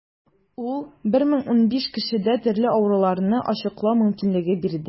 Ул 1015 кешедә төрле авыруларны ачыклау мөмкинлеге бирде.